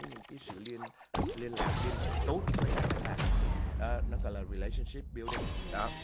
những cái sự liên liên lạc liên hệ tốt với lại khách hàng nó gọi là ri lây sừn síp biu đinh đó